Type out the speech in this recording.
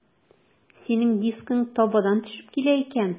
Синең дискың табадан төшеп килә икән.